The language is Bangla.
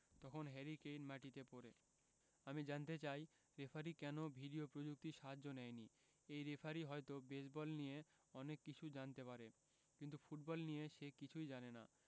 তখন হ্যারি কেইন মাটিতে পড়ে আমি জানতে চাই রেফারি কেন ভিডিও প্রযুক্তির সাহায্য নেয়নি এই রেফারি হয়তো বেসবল নিয়ে অনেক কিছু জানতে পারে কিন্তু ফুটবল নিয়ে সে কিছুই জানে না